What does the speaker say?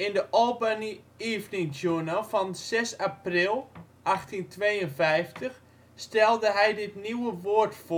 de Albany Evening Journal van 6 april, 1852 stelde hij dit nieuwe woord